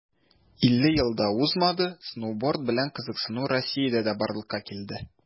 50 ел да узмады, сноуборд белән кызыксыну россиядә дә барлыкка килде.